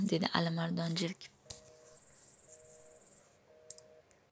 dedi alimardon jerkib